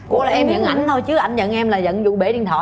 ủa em giận ảnh thôi chứ anh giận em là giận vụ bể điện thoại